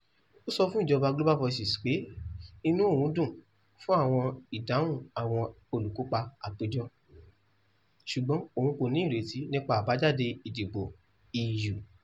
Ó sọ fún Global Voices pé inú òun dùn fún àwọn ìdáhùn àwọn olùkópa àpéjọ, ṣùgbọ́n òun kò ní ìrètí nípa àbájáde ìdìbò EU